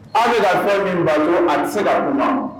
An bɛ fɔ min bato a tɛ se ka kun